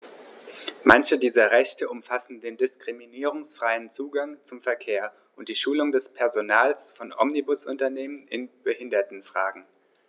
Manche dieser Rechte umfassen den diskriminierungsfreien Zugang zum Verkehr und die Schulung des Personals von Omnibusunternehmen in Behindertenfragen.